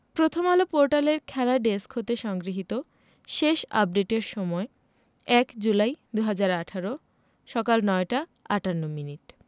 প্রথমআলো পোর্টালের খেলা ডেস্ক হতে সংগৃহীত শেষ আপডেটের সময় ১ জুলাই ২০১৮ সকাল ৯টা ৫৮মিনিট